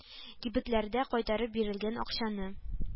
Кибетләрдә кайтарып бирелгән акчаны